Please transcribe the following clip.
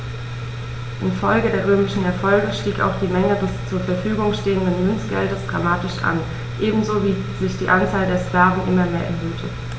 Infolge der römischen Erfolge stieg auch die Menge des zur Verfügung stehenden Münzgeldes dramatisch an, ebenso wie sich die Anzahl der Sklaven immer mehr erhöhte.